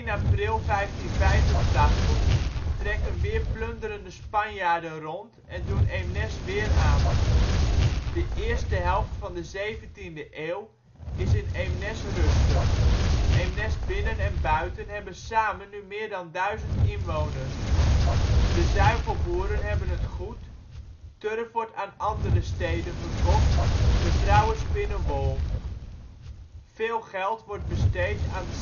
april 1585 trekken weer plunderende Spanjaarden rond en doen Eemnes weer aan. De eerste helft van de 17de eeuw is in Eemnes rustig. Eemnes-Binnen en - Buiten hebben samen nu meer dan duizend inwoners. De zuivelboeren hebben het goed, turf wordt aan andere steden verkocht, de vrouwen spinnen wol. Veel geld wordt besteed aan